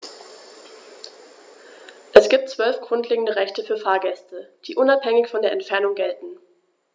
Es gibt 12 grundlegende Rechte für Fahrgäste, die unabhängig von der Entfernung gelten.